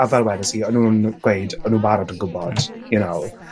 A fel wedes i o'n nw'n gweud o'n nw barod yn gwbod you know?